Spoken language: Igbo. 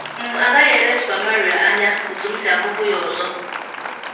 M, agaghị ele Super Mario anya otu m si ahụbu ya ọzọ.